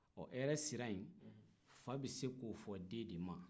hɛrɛ sila in fa bɛ se k'o fɔ den de ma